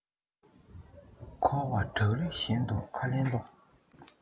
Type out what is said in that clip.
འཁོར བ བྲག རི བཞིན དུ ཁ ལན སློག